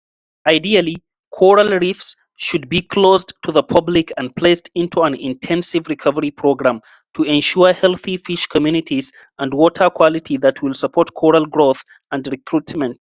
Ideally, coral reefs should be closed to the public and placed into an intensive recovery programme to ensure healthy fish communities and water quality that will support coral growth and recruitment.